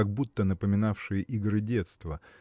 как будто напоминавшие игры детства